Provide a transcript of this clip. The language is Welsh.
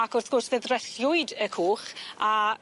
Ac wrth gwrs fe ddrylliwyd y cwch a